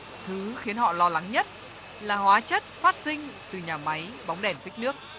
thứ khiến họ lo lắng nhất là hóa chất phát sinh từ nhà máy bóng đèn phích nước